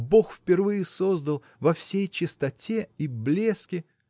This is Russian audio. бог впервые создал во всей чистоте и блеске.